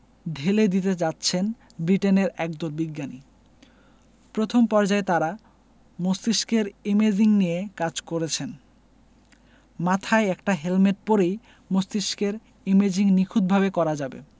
ঢেলে দিতে যাচ্ছেন ব্রিটেনের একদল বিজ্ঞানী প্রথম পর্যায়ে তারা মস্তিষ্কের ইমেজিং নিয়ে কাজ করেছেন মাথায় একটা হেলমেট পরেই মস্তিষ্কের ইমেজিং নিখুঁতভাবে করা যাবে